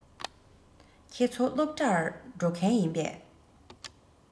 ཁྱེད ཚོ སློབ གྲྭར འགྲོ མཁན ཡིན པས